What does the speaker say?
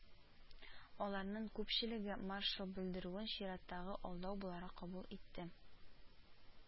Аларның күпчелеге маршал белдерүен чираттагы алдау буларак кабул итте